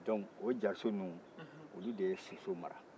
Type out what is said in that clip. dɔnku o jariso ninnu o de ye soso mara